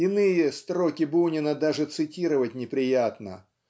Иные строки Бунина даже цитировать неприятно